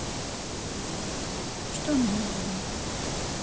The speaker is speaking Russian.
что нового